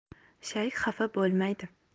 shayx xafa bo'lmaydi